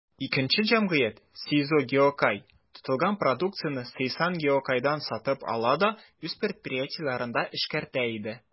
Икенче җәмгыять, «Сейзо Гиокай», тотылган продукцияне «Сейсан Гиокайдан» сатып ала да үз предприятиеләрендә эшкәртә иде.